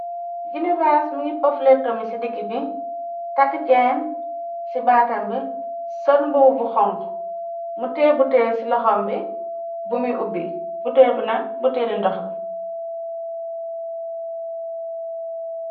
Jineh Baas mu ngi pof lettam yi ci digg bi, takk cheen ci baatam bi, sol mbub honku. Mu teeh buteel ci loham bi, bu me ubi. Buteel bi nak butéel li ndoh la.